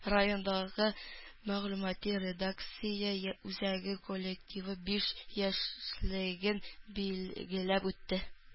Райондагы мәгълүмати-редакция үзәге коллективы биш яшьлеген билгеләп үтте